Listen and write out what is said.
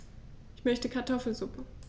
Ich möchte Kartoffelsuppe.